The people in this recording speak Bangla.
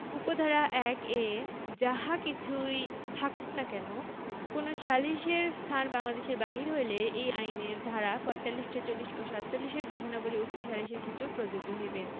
২ উপ ধারা ১ এ যাহা কিচুই থাকুক না কেন কোন সালিসের স্থান বাংলঅদেশের বাহিরে হইলে এই আইনের ধারা ৪৫ ৪৬ ও ৪৭ এর বিধানাবলী উক্ত সালিসের ক্ষেত্রেও প্রযোজ্য হইবে